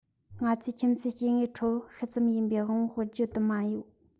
ང ཚོས ཁྱིམ གསོས སྐྱེ དངོས ཁྲོད ཤུལ ཙམ ཡིན པའི དབང པོའི དཔེར བརྗོད དུ མ ཡོད